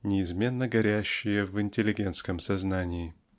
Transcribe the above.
неизменно горящие в интеллигентском сознании.